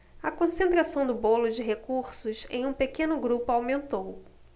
a concentração do bolo de recursos em um pequeno grupo aumentou